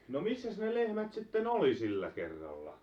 no missäs ne lehmät sitten oli sillä kerralla